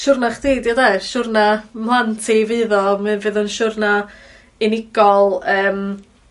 siwrna chdi 'di o 'de siwrna mhlant i fydd o mi fydd o'n siwrna unigol yym